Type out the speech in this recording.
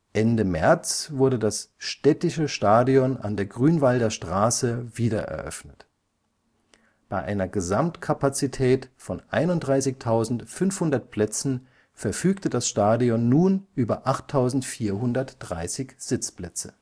Ende März wurde das Städtische Stadion an der Grünwalder Straße wiedereröffnet. Bei einer Gesamtkapazität von 31.500 Plätzen verfügte das Stadion nun über 8.430 Sitzplätze